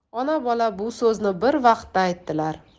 ona bola bu so'zni bir vaqtda aytdilar